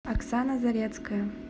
оксана зарецкая